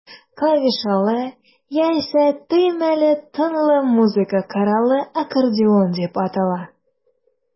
Клавишалы, яисә төймәле тынлы музыка коралы аккордеон дип атала.